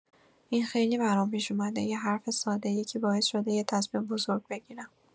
این خیلی برام پیش اومده، یه حرف ساده یکی باعث شده یه تصمیم بزرگ بگیرم.